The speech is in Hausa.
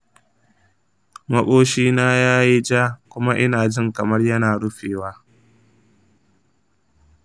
makoshina ya yi ja kuma ina jin kamar yana rufewa.